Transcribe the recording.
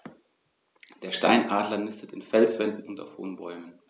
Der Steinadler nistet in Felswänden und auf hohen Bäumen.